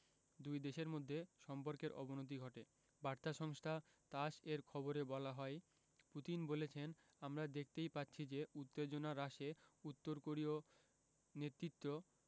দুই দেশের মধ্যে সম্পর্কের অবনতি ঘটে বার্তা সংস্থা তাস এর খবরে বলা হয় পুতিন বলেছেন আমরা দেখতেই পাচ্ছি যে উত্তেজনা হ্রাসে উত্তর কোরীয় নেতৃত্ব